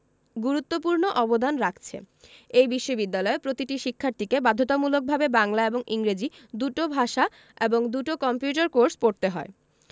গুরুত্বপূর্ণ অবদান রাখছে এই বিশ্ববিদ্যালয়ে প্রতিটি শিক্ষার্থীকে বাধ্যতামূলকভাবে বাংলা এবং ইংরেজি দুটো ভাষা এবং দুটো কম্পিউটার কোর্স পড়তে হয়